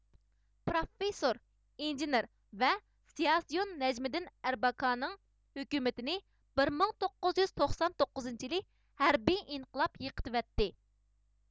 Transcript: پىراففىسور ئىنژېنېر ۋە سىياسىيون نەجمىدىن ئەربەكاننىڭ ھۆكۈمىتىنى بىر مىڭ توققۇز يۈز توقسان توققۇزىنچى يىلى ھەربىي ئىنقىلاب يىقىتىۋەتتى